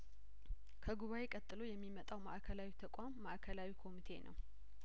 ከጉባኤ ቀጥሎ የሚመጣው ማእከላዊ ተቋም ማአከላዊ ኮሚቴ ነው